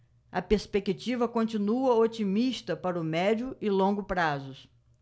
a perspectiva continua otimista para o médio e longo prazos